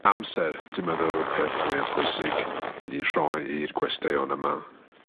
amser dwi meddwl yw peth mwya pwysig i rhoi i'r gwesteion yma